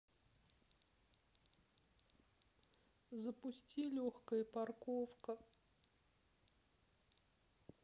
запусти легкая парковка